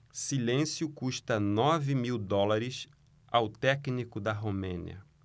silêncio custa nove mil dólares ao técnico da romênia